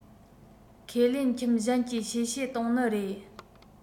ཁས ལེན ཁྱིམ གཞན གྱིས གཤེ གཤེ གཏོང ནི རེད